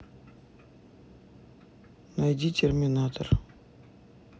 найди терминатор